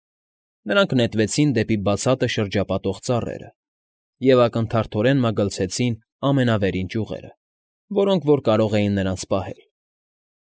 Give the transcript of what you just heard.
Նրանք նետվեցին դեպի բացատը շրջապատող ծառերը և ակնթարթորեն մագլցեցին ամենավերին ճյուղերը, որոնք որ կարող էին նրանց պահել։